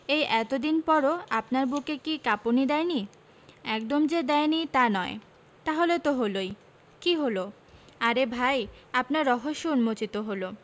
এই এত দিন পরও আপনার বুকে কি কাঁপুনি দেয়নি একদম যে দেয়নি তা নয় তাহলে তো হলোই কী হলো আরে ভাই আপনার রহস্য উম্মোচিত হলো